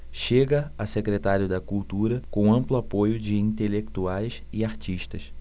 chega a secretário da cultura com amplo apoio de intelectuais e artistas